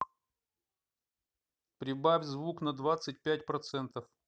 прибавь звук на двадцать пять процентов